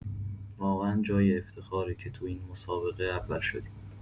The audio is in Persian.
واقعا جای افتخاره که تو این مسابقه اول شدیم.